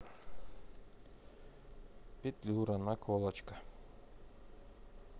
петлюра наколочка